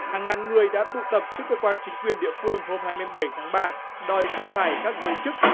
hàng ngàn người đã tụ tập trước cơ quan chính quyền địa phương hôm hai mươi bảy tháng ba đòi sa thải các giới chức